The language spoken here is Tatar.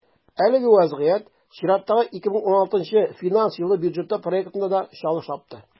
Әлеге вазгыять чираттагы, 2016 финанс елы бюджеты проектында да чагылыш тапты.